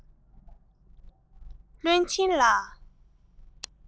བློན ཆེན ལ